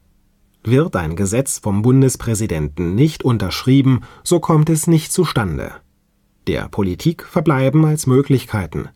Wird ein Gesetz vom Bundespräsidenten nicht unterschrieben, so kommt es nicht zustande. Der Politik verbleiben als Möglichkeiten